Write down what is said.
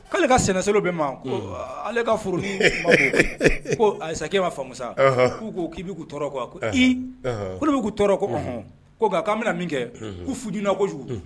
K'ale ka sɛnɛsolo bɛ ma ale ka furu ko ayi ma famusa k'u ko k'i bɛ' tɔɔrɔ qu'u tɔɔrɔ ko ko k'an bɛna min kɛ ko fuina ko kojugu